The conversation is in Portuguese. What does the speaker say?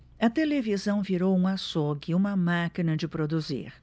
a televisão virou um açougue uma máquina de produzir